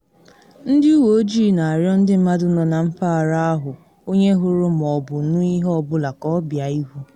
Ndị uwe ojii na arịọ ndị mmadụ nọ na mpaghara ahụ onye hụrụ ma ọ bụ nụ ihe ọ bụla ka ọ bịa ihu.